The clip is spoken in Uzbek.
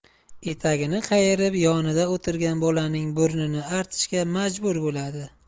etagini qayirib yonida o'tirgan bolaning burnini artishga majbur bo'ladi